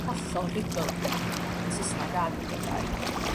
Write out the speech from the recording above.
hollol rhugl yn Syesnag ag yn Gymraeg.